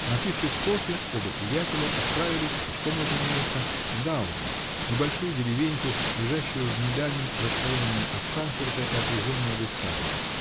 Напившись кофе, оба приятеля отправились -- пешком, разумеется, -- в Гаузен, небольшую деревеньку, лежащую в недальнем расстоянии от Франкфурта и окруженную лесами.